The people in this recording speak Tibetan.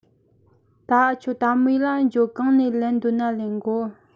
ད འུ ཆོ དལ མོ ཡེད ལ འགྱོ གང ནས ལེན འདོད ན ལེན གོ